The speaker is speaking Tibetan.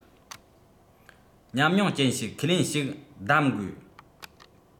ཉམས མྱོང ཅན ཞིག ཁས ལེན ཞིག གདམ དགོས